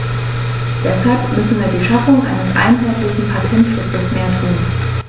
Deshalb müssen wir für die Schaffung eines einheitlichen Patentschutzes mehr tun.